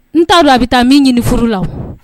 N t'a dɔn a bɛ taa min ɲini furu la